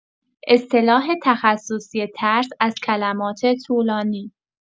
اصطلاح تخصصی ترس از کلمات طولانی